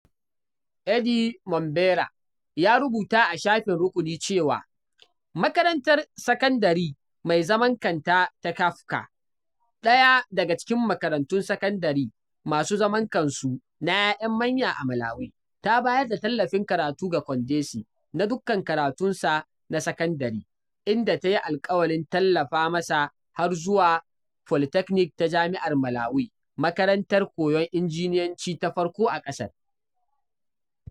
Eddie Mombera ya rubuta a shafin rukuni cewa Makarantar Sakandare mai zaman kanta ta Kaphuka, ɗaya daga cikin makarantun sakandare masu zaman kansu na 'ya'yan manya a Malawi, ta bayar da tallafin karatu ga Kondesi “na dukkan karatunsa na sakandare,”inda tayi alƙawarin tallafa masa har zuwa Polytechnic ta Jami’ar Malawi, makarantar koyan injiniyanci ta farko a ƙasar.